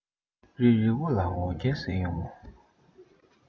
རིལ རིལ དབུ ལ འོ རྒྱལ བཟོས ཡོང ངོ